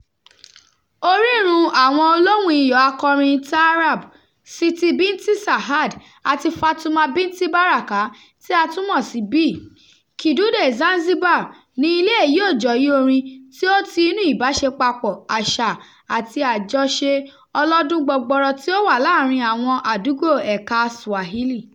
Orírun àwọn olóhùn-iyò akọrin taarab, Siti Binti Saad àti Fatuma Binti Baraka, tí a tún mọ̀ sí Bi. Kidude, Zanzibar ni ilé èyí-ò-jọ̀yìí orin tí ó ti inúu ìbàṣepapọ̀ àṣà àti àjọṣe ọlọ́dún gbọgbọrọ tí ó wà láàárín àwọn àdúgbò ẹ̀ka Swahili.